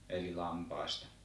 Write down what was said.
eli lampaista